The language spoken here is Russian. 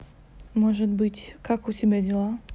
может быть как у тебя дела